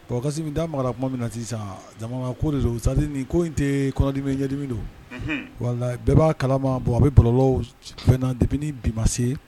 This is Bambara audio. Si min da mara tuma min na sisan jama ko de don sadi ni ko in tɛ kɔnɔdimɛ ɲɛdimi don wala bɛɛ b'a kalama bɔn a bɛ barolɔna de bi ma se